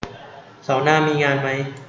เสาร์หน้ามีงานมั้ย